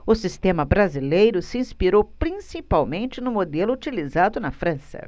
o sistema brasileiro se inspirou principalmente no modelo utilizado na frança